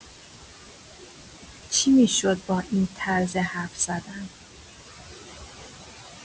چی می‌شد با این طرز حرف‌زدن؟